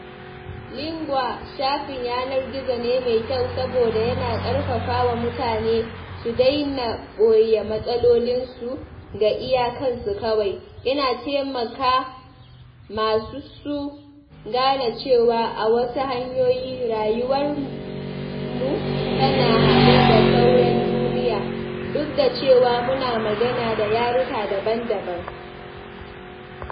Lingua shafin yanar gizo ne mai kyau, saboda yana ƙarfafawa mutane su daina ɓoye matsalolinsu ga iya kansu kawai, yana taimaka masu su gane cewa a wasu hanyoyi, rayuwar mu tana haɗe da sauran duniya, duk da cewa muna magana da yaruka daban-daban